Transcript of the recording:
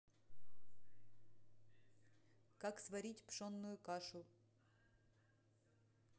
как сварить пшенную кашу